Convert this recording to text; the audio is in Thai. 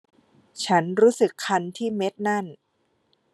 ฉันรู้สึกคันที่เม็ดนั่น